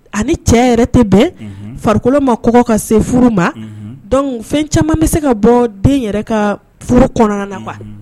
Ani cɛ yɛrɛ tɛ bɛn farikolo ma kɔ ka se furu ma fɛn caman bɛ se ka bɔ den yɛrɛ ka furu kɔnɔna na wa